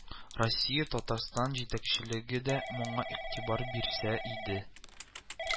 Россия, Татарстан җитәкчелеге дә моңа игътибар бирсә иде